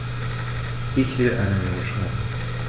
Ich will eine Mail schreiben.